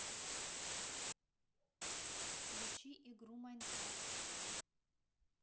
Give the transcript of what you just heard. включи игру майнкрафт